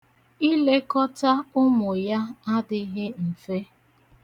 Ilekọta ụmụ ya adịghị mfe.